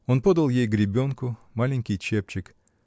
Он подал ей гребенку, маленький чепчик